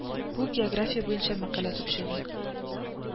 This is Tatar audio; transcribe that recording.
Бу география буенча мәкалә төпчеге